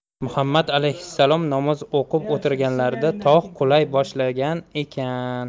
muhammad alayhissalom namoz o'qib o'tirganlarida tog' qulay boshlagan ekan